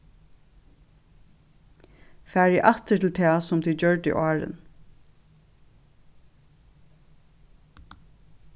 farið aftur til tað sum tit gjørdu áðrenn